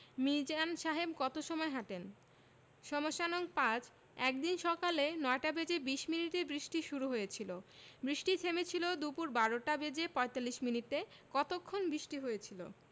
মিজান সাহেব কত সময় হাঁটেন সমস্যা নম্বর ৫ একদিন সকালে ৯টা বেজে ২০ মিনিটে বৃষ্টি শুরু হয়েছিল বৃষ্টি থেমেছিল দুপুর ১২টা বেজে ৪৫ মিনিটে কতক্ষণ বৃষ্টি হয়েছিল